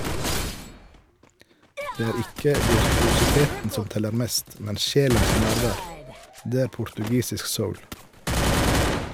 Det er ikke virtuositeten som teller mest, men sjelens nærvær; det er portugisisk soul.